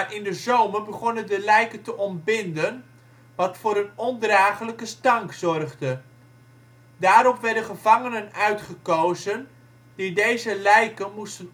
in de zomer begonnen de lijken te ontbinden, wat voor een ondragelijke stank zorgde. Daarop werden gevangenen uitgekozen die deze lijken moesten